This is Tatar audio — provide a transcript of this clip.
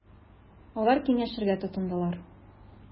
Алар киңәшергә тотындылар.